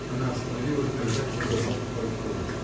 Она остановилась, держа его за борт пальто.